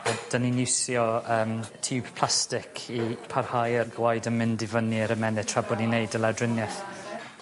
'Dyn ni'n iwsio yym tiwb plastic i parhau yr gwaed yn mynd i fyny i'r ymennydd tra bo' ni'n neud y lawdrieth.